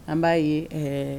An b'a ye ɛɛ